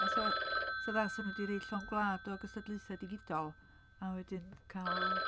A so a- 'sa'n dda 'sa nhw 'di roi llond gwlad o gystadlaethau digidol a wedyn cael...